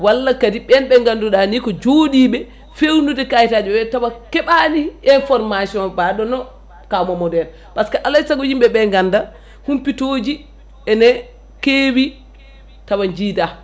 walla kadi ɓen ɓe ganduɗa ko joɗiɓe fewnude kayitaji tawa keeɓani information mbaɗono kaw Maamdou en par ce que alay saago yimɓeɓe ganda humpitoji ene keewi tawa jiida